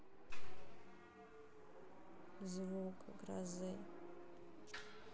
звук грозы